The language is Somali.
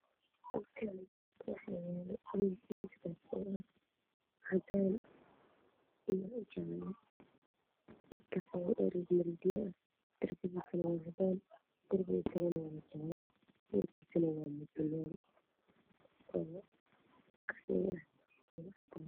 Halkan waxaa yaalo miiskaasi yahay qalin turbiga waa caddaan miiska waxaa saaran kalarkiisu yahay haddaan dhulka waa caddaan